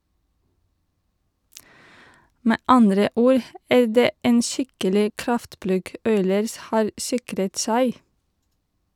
Med andre ord er det en skikkelig kraftplugg Oilers har sikret seg.